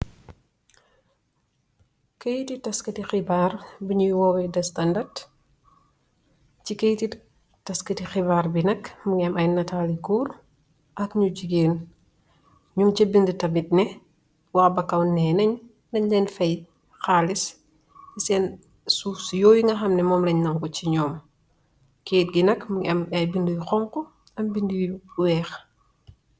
keyiti taskati xibaar biñuy woowe destandat ci keyiti taskati xibaar bi nakk mu ngi am ay nataali kuur at ñu jigeen ñum ce bind tamit ne waa bakaw nee nañ ndañ leen fay xaalis yi seen suus yooy nga xamne moom lañ nango ci ñoom keet gi nag mungi am ay bind y xonk am bind yu weex